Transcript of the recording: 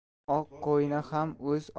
oq qo'yni ham o'z